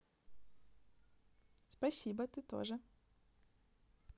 спасибо ты тоже